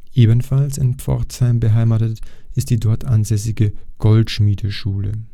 Ebenfalls in Pforzheim beheimatet ist die dort ansässige Goldschmiedeschule